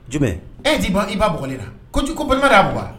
JUmɛn? E ɲɛ t'i ba i ba bugɔlila? Ko ju ko Batɔma de y'a bugɔ wa?